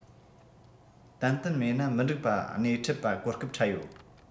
ཏན ཏན མེད ན མི འགྲིག པ སྣེ ཁྲིད པ གོ སྐབས འཕྲད ཡོད